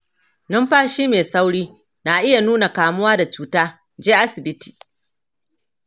numfashi mai sauri na iya nuna kamuwa da cuta; je asibiti.